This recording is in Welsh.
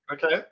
ocê